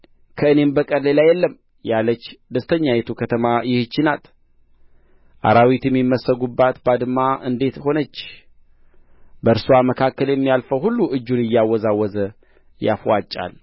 ከእኔም በቀር ሌላ የለም ያለች ደስተኛይቱ ከተማ ይህች ናት አራዊት የሚመሰጉባት ባድማ እንዴት ሆነች በእርስዋ በኩል የሚያልፈው ሁሉ እጁን እያወዛወዘ ያፍዋጫል